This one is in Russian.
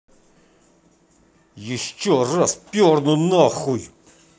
еще раз перну нахуй